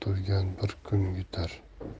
turgan bir kun yutar